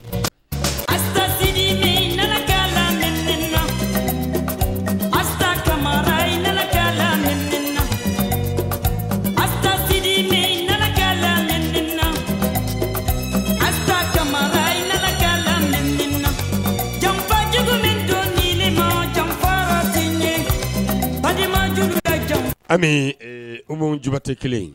A tasiri ɲagakɛla laina asa kama ɲagakɛla a tasiri ɲagakɛla laina a ta kamakɛla la jafajugu ni don ni ma jafa ɲɛ anilima jugukɛ ja a u majuguba tɛ kelen